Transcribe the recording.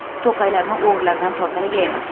to'qaylarni o'g'rilardan tozalagaymiz